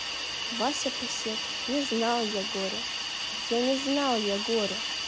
вася пасек не знал я горя я не знал я горя